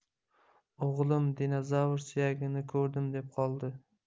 o'g'lim 'dinozavr suyagini ko'rdim' deb qoldi